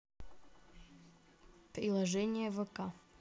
приложение вк